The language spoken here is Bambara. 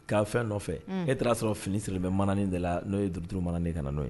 K' fɛn nɔfɛ e taara'a sɔrɔ fini siriremɛ manain de la n'o ye duuruuru mananen ka na n' ye